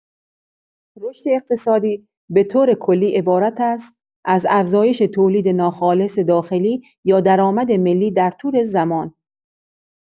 رشد اقتصادی به‌طور کلی عبارت است از افزایش تولید ناخالص داخلی یا درآمد ملی در طول زمان.